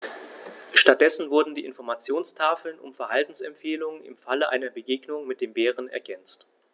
Stattdessen wurden die Informationstafeln um Verhaltensempfehlungen im Falle einer Begegnung mit dem Bären ergänzt.